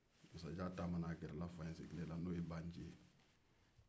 masajan taamana ka gɛrɛ fa in sigilen na